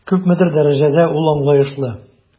Күпмедер дәрәҗәдә ул аңлаешлы.